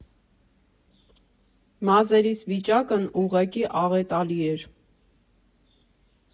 Մազերիս վիճակն ուղղակի աղետալի էր։